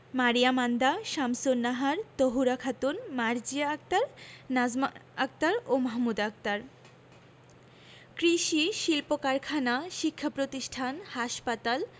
মারিয়া মান্দা শামসুন্নাহার তহুরা খাতুন মার্জিয়া আক্তার নাজমা আক্তার ও মাহমুদা আক্তার কৃষি শিল্পকারখানা শিক্ষাপ্রতিষ্ঠান হাসপাতাল